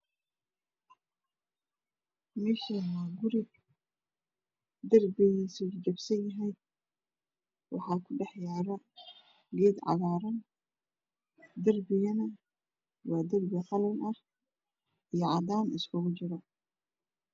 Meshan wa guri darbi gisuna jabsan yahay waxa kudhax yalo ged cagaar ran dar bigana wa darbi qalin ah iyo cadan iskugu jire